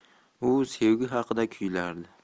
u sevgi haqida kuylardi